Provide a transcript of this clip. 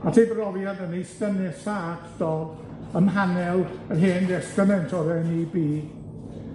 at ei brofiad yn eista nesa at Dodd ym mhanel yr Hen Destament o'r En Ee Bee,